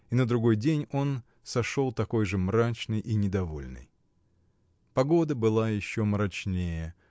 И на другой день он сошел такой же мрачный и недовольный. Погода была еще мрачнее.